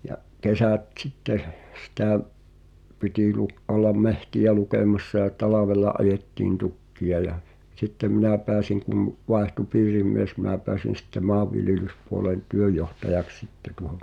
ja kesät sitten sitä piti - olla metsiä lukemassa ja talvella ajettiin tukkeja ja sitten minä pääsin kun vaihtui piirimies minä pääsin sitten maanviljelyspuolen työnjohtajaksi sitten tuohon